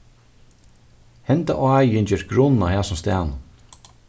henda áin gerst grunn á hasum staðnum